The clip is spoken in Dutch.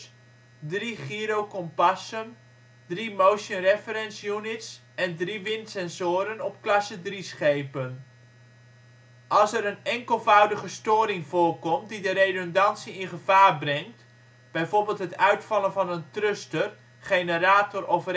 drie gyrokompassen, drie Motion Reference Units en drie windsensoren op klasse 3-schepen. Als er een enkelvoudige storing voorkomt die de redundantie in gevaar brengt, bijvoorbeeld het uitvallen een thruster, generator of referentiesysteem